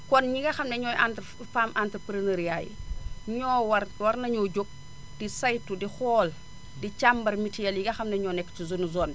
kon mutuelle ñi nga xam ne ñooy entre femme entreprenariat yi ñoo war war nañoo jóg di saytu di xool di càmbar mutuelle yi nga xam ne ñoo nekk ci suñu zone bi